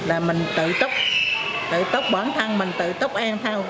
là mình tự túc tự túc bản thân mình tự túc ăn thôi